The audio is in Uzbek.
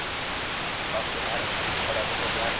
toshchaynar odamni ko'rgan